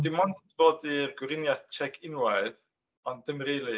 Dwi mond 'di bod i'r Gweriniaeth Tsiec unwaith, ond ddim rili.